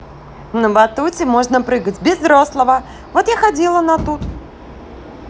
на батуте можно прыгать без взрослого вот я ходила на тут